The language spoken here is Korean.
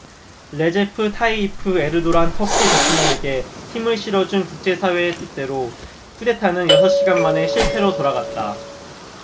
레제프 타이이프 에르도안 터키 대통령에게 힘을 실어준 국제사회의 뜻대로 쿠데타는 여섯 시간 만에 실패로 돌아갔다